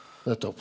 nettopp.